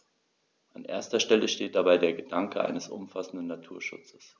An erster Stelle steht dabei der Gedanke eines umfassenden Naturschutzes.